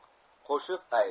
qo'shiq ayt